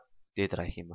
dedi rahima